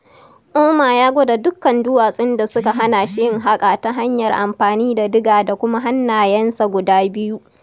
Ouma ya gwada dukan duwatsun da suka hana shi yin haƙa ta hanyar amfani da diga da kuma hannayesa guda biyu.